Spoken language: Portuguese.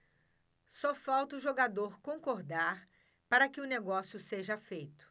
só falta o jogador concordar para que o negócio seja feito